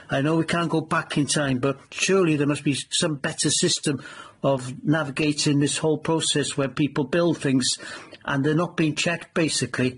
I know we can't go back in time, but surely there must be s- some better system of navigating this whole process where people build things, and they're not being checked, basically.